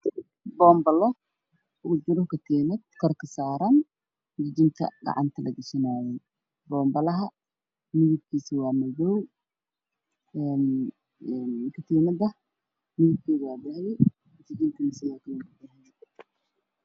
Boonbale oo ku jira katiinad kor ka saaran jijinta gacanta la gashanayey boonbalaha midabkiisu waa madow katiinada midabkeedu waa dahabi jijinta waa dahabi